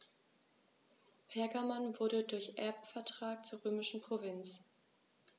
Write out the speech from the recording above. Pergamon wurde durch Erbvertrag zur römischen Provinz.